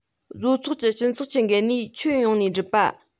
བཟོ ཚོགས ཀྱི སྤྱི ཚོགས ཀྱི འགན ནུས ཁྱོན ཡོངས ནས བསྒྲུབས པ